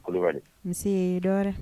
Nse dɔ